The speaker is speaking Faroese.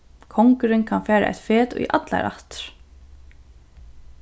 kongurin kann fara eitt fet í allar ættir